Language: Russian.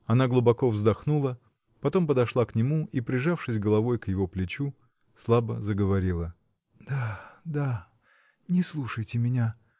Она глубоко вздохнула, потом подошла к нему и, прижавшись головой к его плечу, слабо заговорила. — Да. да, не слушайте меня!